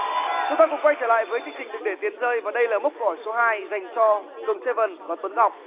chúng ta cùng quay trở lại với chương trình đừng để tiền rơi và đây là mốc câu hỏi số hai dành cho cường se vừn và tuấn ngọc